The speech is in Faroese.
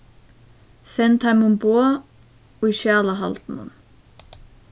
send teimum boð í skjalahaldinum